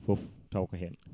foof taw ko hen